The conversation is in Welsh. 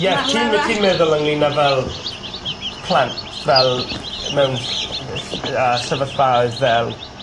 Ie ti'n... Ma' ma' ra-... ...ti'n meddwl ynglŷn â fel plant fel mewn ll- yy ll- yy sefyllfaoedd fel